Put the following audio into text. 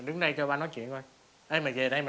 đứng đây cho ba nói chuyện coi ê mày về đây